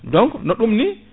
donc no ɗu ni